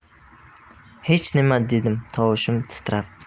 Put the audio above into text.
hech nima dedim tovushim titrab